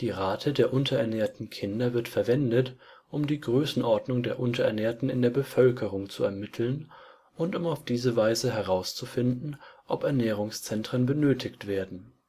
Rate der unterernährten Kinder wird verwendet, um die Größenordnung der Unterernährten in der Bevölkerung zu ermitteln und um auf diese Weise herauszufinden, ob Ernährungszentren benötigt werden